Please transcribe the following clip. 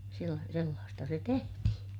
- sellaista se tehtiin